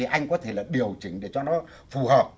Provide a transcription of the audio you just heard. thì anh có thể điều chỉnh để cho nó phù hợp